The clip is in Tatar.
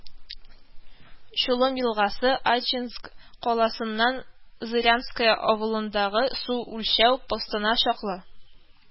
Чулым елгасы, Ачинск каласыннан Зырянское авылындагы су үлчәү постына чаклы